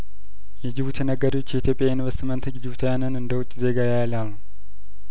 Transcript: የጂቡቲ ነጋዴዎች የኢትዮጵያ የኢንቨስትመንት ህግ ጂቡቲ ያውያንን እንደውጭ ዜጋ ያያል አሉ